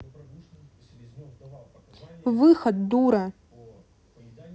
выход дура